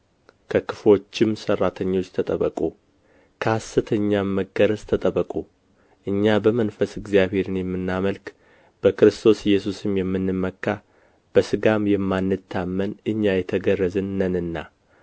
ከክፉዎችም ሠራተኞች ተጠበቁ ከሐሰተኛም መገረዝ ተጠበቁ እኛ በመንፈስ እግዚአብሔርን የምናመልክ በክርስቶስ ኢየሱስም የምንመካ በሥጋም የማንታመን እኛ የተገረዝን ነንና